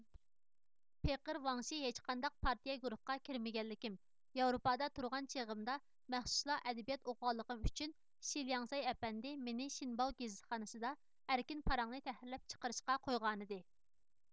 پېقىر ۋاڭشى ھېچقانداق پارتىيە گۇرۇھقا كىرمىگەنلىكىم ياۋرپادا تۇرغان چېغىمدا مەخسۇسلا ئەدەبىيات ئوقۇغانلىقىم ئۈچۈن شى لياڭسەي ئەپەندى مېنى شېنباۋ گېزىتخانىسىدا ئەركىن پاراڭ نى تەھرىرلەپ چىقىرىشقا قويغانىدى